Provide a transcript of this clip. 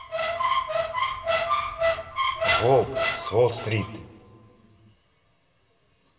волк с волт стрит